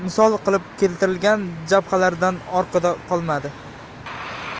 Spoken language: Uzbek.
misol qilib keltirilgan jabhalardan orqada qolmadi